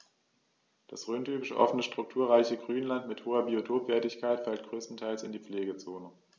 Das rhöntypische offene, strukturreiche Grünland mit hoher Biotopwertigkeit fällt größtenteils in die Pflegezone.